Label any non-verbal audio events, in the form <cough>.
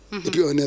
<hesitation> <hesitation>